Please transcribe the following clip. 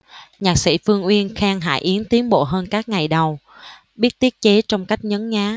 nhạc sĩ phương uyên khen hải yến tiến bộ hơn các ngày đầu biết tiết chế trong cách nhấn nhá